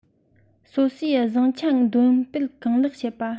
སོ སོའི བཟང ཆ འདོན སྤེལ གང ལེགས བྱེད པ